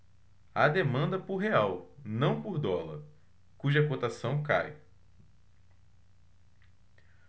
há demanda por real não por dólar cuja cotação cai